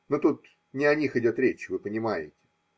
но тут не о них идет речь, вы понимаете).